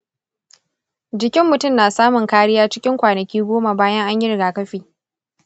jikin mutum na samun kariya cikin kwanaki goma bayan an yi rigakafi.